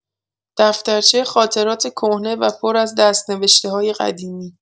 دفترچه خاطرات کهنه و پر از دست‌نوشته‌های قدیمی